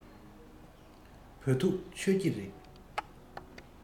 བོད ཐུག མཆོད ཀྱི རེད